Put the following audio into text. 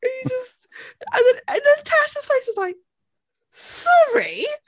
He just... and then, and then Tash's face was like "Sorry?!"